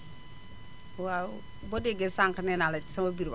waaw boo déggee sànq neenaa la ci sama biir wax